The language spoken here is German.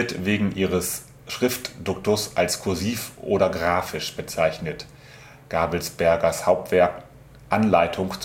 wegen ihres Schriftduktus als kursiv oder graphisch bezeichnet. Gabelsbergers Hauptwerk „ Anleitung